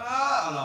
A ala